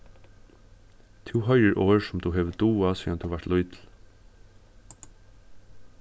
tú hoyrir orð sum tú hevur dugað síðan tú vart lítil